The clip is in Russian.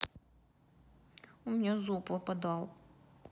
у меня зуб выпадал